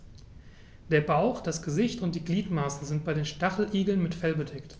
Der Bauch, das Gesicht und die Gliedmaßen sind bei den Stacheligeln mit Fell bedeckt.